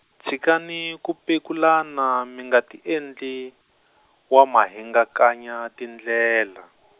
tshikani ku pekulana mi nga tiendli, wamahingakanya tindlela .